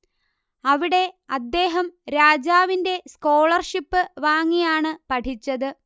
അവിടെ അദ്ദേഹം രാജാവിന്റെ സ്കോളർഷിപ്പ് വാങ്ങിയാണ് പഠിച്ചത്